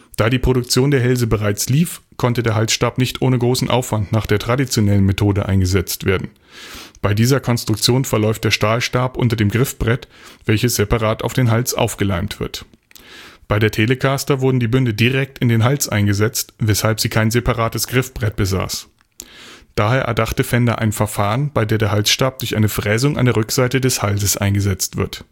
Da die Produktion der Hälse bereits lief, konnte der Halsstab nicht ohne großen Aufwand nach der traditionellen Methode eingesetzt werden. Bei dieser Konstruktion verläuft der Stahlstab unter dem Griffbrett, welches separat auf den Hals aufgeleimt wird. Bei der Telecaster wurden die Bünde direkt in den Hals eingesetzt, weshalb sie kein separates Griffbrett besaß. Daher erdachte Fender ein Verfahren, bei der der Halsstab durch eine Fräsung an der Rückseite des Halses eingesetzt wird